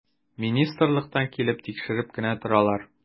Министрлыктан килеп тикшереп кенә торалар.